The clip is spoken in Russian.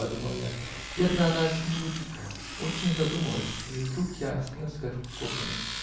-- подумал я, -- верно, она о чем-нибудь очень задумалась", и вдруг я остановился как вкопанный.